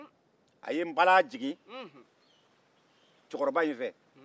a ye npalan jigin cɛkɔrɔba in fɛ